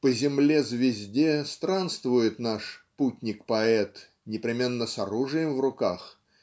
по земле-звезде странствует наш путник-поэт непременно с оружием в руках